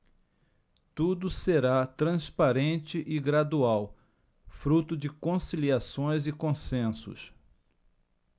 tudo será transparente e gradual fruto de conciliações e consensos